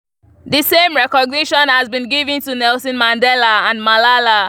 The same recognition has been given to Nelson Mandela and Malala.